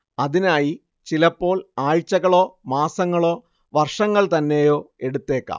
അതിനായി ചിലപ്പോൾ ആഴ്ചകളോ മാസങ്ങളോ വർഷങ്ങൾ തന്നെയോ എടുത്തേക്കാം